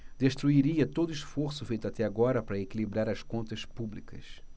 destruiria todo esforço feito até agora para equilibrar as contas públicas